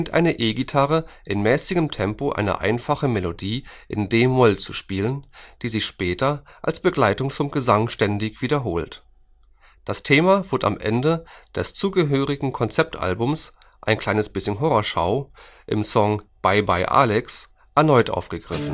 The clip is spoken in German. eine E-Gitarre in mäßigem Tempo eine einfache Melodie in d-Moll zu spielen, die sich später als Begleitung zum Gesang ständig wiederholt. Das Thema wird am Ende des zugehörigen Konzeptalbums Ein kleines bisschen Horrorschau im Song Bye, bye, Alex erneut aufgegriffen